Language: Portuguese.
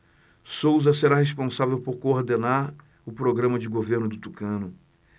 souza será responsável por coordenar o programa de governo do tucano